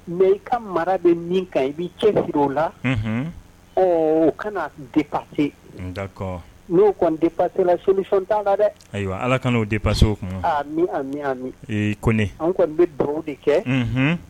Mɛ i ka mara bɛ min kan i bɛ cɛ furu o la kafa da n'o kɔnila soonisɔn tan la dɛ ayiwa ala ka'o de baso ko an kɔni bɛ baro de kɛ